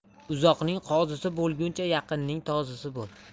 uzoqning qozisi bo'lguncha yaqinning tozisi bo'l